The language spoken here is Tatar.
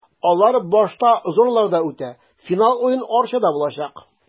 Алар башта зоналарда үтә, финал уен Арчада булачак.